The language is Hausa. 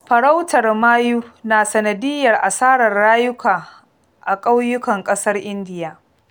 Farautar mayu na sanadiyyar asarar rayuka a ƙauyukan ƙasar Indiya.